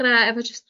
ddechre efo jyst